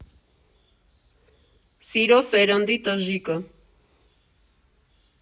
Սիրո սերնդի տժժիկը։